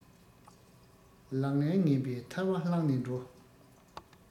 ལག ལེན ངན པས ཐལ བ བསླངས ནས འགྲོ